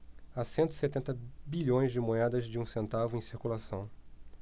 há cento e setenta bilhões de moedas de um centavo em circulação